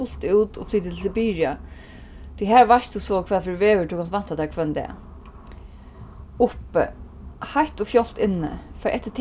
fult út og flyti til sibiria tí har veitst tú so hvat fyri veður tú kanst vænta tær hvønn dag uppi heitt og fjálgt inni fari eftir